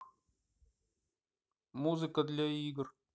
музыка для игр